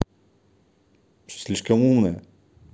слишком умная